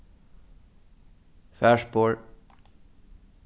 farspor